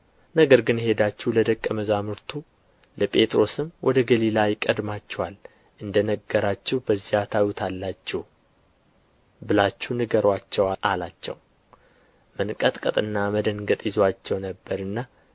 ነገር ግን ሄዳችሁ ለደቀ መዛሙርቱ ለጴጥሮስም ወደ ገሊላ ይቀድማችኋል እንደ ነገራችሁ በዚያ ታዩታላችሁ ብላችሁ ንገሩአቸው አላቸው መንቀጥቀጥና መደንገጥ ይዞአቸው ነበርና